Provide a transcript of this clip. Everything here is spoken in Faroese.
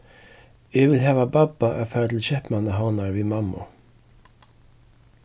eg vil hava babba at fara til keypmannahavnar við mammu